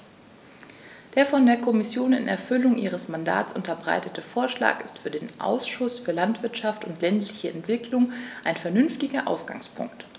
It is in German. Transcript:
Der von der Kommission in Erfüllung ihres Mandats unterbreitete Vorschlag ist für den Ausschuss für Landwirtschaft und ländliche Entwicklung ein vernünftiger Ausgangspunkt.